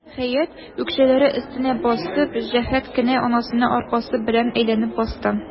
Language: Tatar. Хәят, үкчәләре өстенә басып, җәһәт кенә анасына аркасы белән әйләнеп басты.